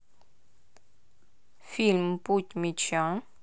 фильм путь меча